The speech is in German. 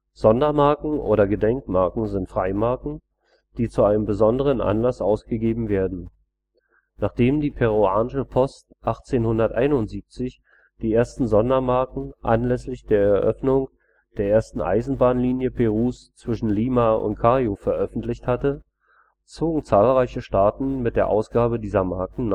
Sondermarken oder Gedenkmarken sind Freimarken, die zu einem besonderen Anlass ausgegeben werden. Nachdem die peruanische Post 1871 die ersten Sondermarken anlässlich der Eröffnung der ersten Eisenbahnlinie Perus zwischen Lima und Callao veröffentlicht hatte, zogen zahlreiche Staaten mit der Ausgabe dieser Marken